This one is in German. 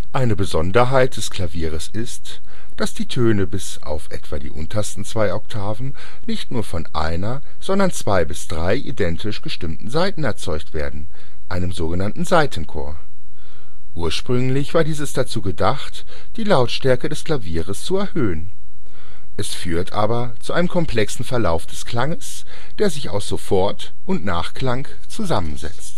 Eine Besonderheit des Klaviers ist, dass die Töne bis auf etwa die untersten zwei Oktaven nicht nur von einer, sondern zwei bis drei identisch gestimmten Saiten erzeugt werden, einem so genannten Saitenchor. Ursprünglich war dieses dazu gedacht, die Lautstärke des Klaviers zu erhöhen; es führt aber zu einem komplexen Verlauf des Klanges, der sich aus Sofort - und Nachklang zusammensetzt